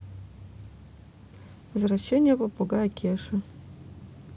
возвращение попугая кеши